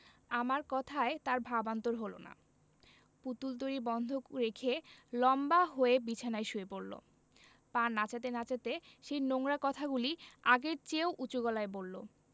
আমার কথায় তার ভাবান্তর হলো না পুতুল তৈরী বন্ধ রেখে লম্বা হয়ে বিছানায় শুয়ে পড়লো পা নাচাতে নাচাতে সেই নোংরা কথাগুলি আগের চেয়েও উচু গলায় বললো